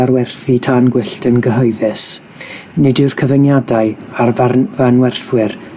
ar werthu tân gwyllt yn gyhoeddus, nid yw'r cyfyngiadau a'r farn- fanwerthwyr